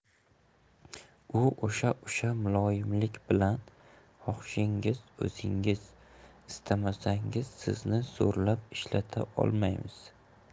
u o'sha o'sha muloyimlik bilan xohishingiz o'zingiz istamasangiz sizni zo'rlab ishlata olmaymiz